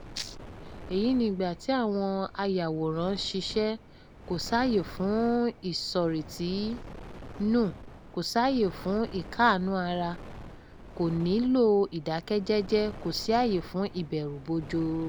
Èyí ni ìgbà tí àwọn ayàwòrán ń ṣiṣẹ́. Kò sáyé fún ìsọ̀rètínù, kò sáyé fún ìkáàánú-ara, kò nílò ìdákẹ́ jẹ́jẹ́, kò sí àyè fún ìbẹ̀rù bojo.